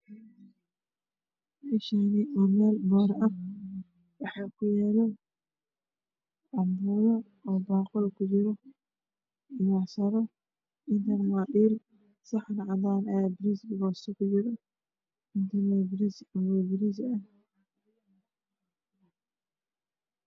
Meeshaan waa meel boor ah waxaa kusawiran cambuulo oo baaquli kujirto iyo macsaro iyo dhiilmadhiil. Saxan cadaan ah ayaa bariis iyo baasto kujiraan.